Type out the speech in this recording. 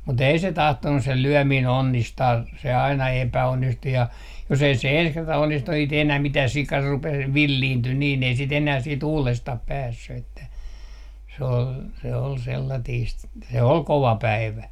mutta ei se tahtonut se lyöminen onnistaa se aina epäonnistui ja jos ei se ensi kerta onnistu ei sitä enää mitään sika rupeaa villiintyi niin ei sitä enää sitten uudestaan päässyt että se oli se oli sellaista se oli kova päivä